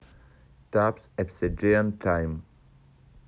tabs obsidian time